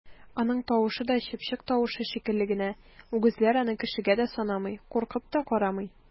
Аның тавышы да чыпчык тавышы шикелле генә, үгезләр аны кешегә дә санамый, куркып та карамый!